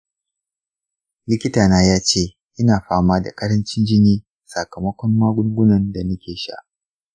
likitana ya ce ina fama da ƙarancin jini sakamakon magungunan da nake sha.